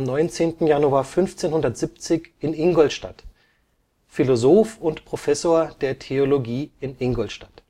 19. Januar 1570 in Ingolstadt), Philosoph und Professor der Theologie in Ingolstadt